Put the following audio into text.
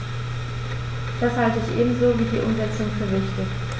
Das halte ich ebenso wie die Umsetzung für wichtig.